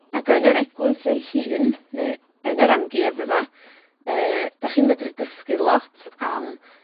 Ag yn yr eglwys ei hun, ne' yn yr amgueddfa, yy, 'dach chi'n medru dysgu lot am